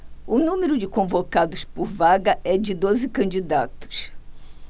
o número de convocados por vaga é de doze candidatos